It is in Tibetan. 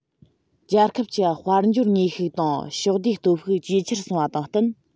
རྒྱལ ཁབ ཀྱི དཔལ འབྱོར དངོས ཤུགས དང ཕྱོགས བསྡུས སྟོབས ཤུགས ཇེ ཆེར སོང བ དང བསྟུན